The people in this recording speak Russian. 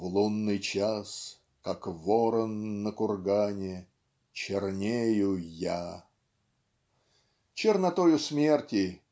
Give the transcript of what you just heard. "в лунный час, как ворон на кургане, чернею я". Чернотою смерти